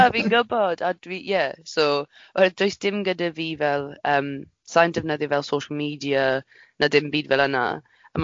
Yeah fi'n gwybod a dwi, yeah, so does dim gyda fi fel ymm, sai'n defnyddio social media na dim byd fel yna